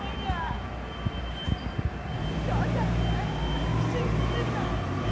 anh ạ rõ ràng là em sinh như thế này